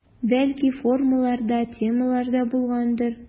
Бәлки формалар да, темалар да булгандыр.